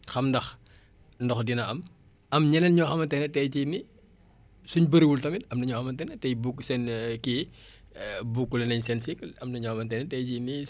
am ñeneen ñoo xamante ne tey jii nii suñ bëriwul tamit am na ñoo xamante ne tey bou seen kii boucler nañ seen cycle am na ñoo xamante ne tey jii nii seen i kii ñor na war nañ ko mën a jëfandikoo